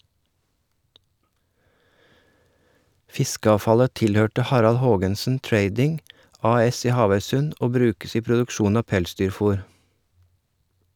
Fiskeavfallet tilhørte Harald Haagensen Trading AS i Havøysund, og brukes i produksjon av pelsdyrfor.